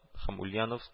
Һәм ульяновск